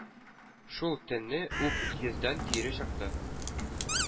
Шул төнне үк йөздән тире чыкты,